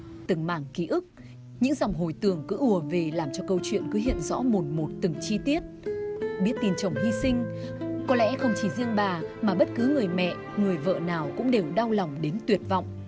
từng mảng ký ức những dòng hồi tưởng cứ ùa về làm cho câu chuyện cứ hiện rõ mồn một từng chi tiết biết tin chồng hy sinh có lẽ không chỉ riêng bà mà bất cứ người mẹ người vợ nào cũng đều đau lòng đến tuyệt vọng